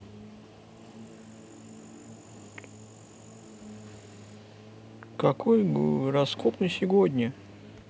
какой гороскоп на сегодня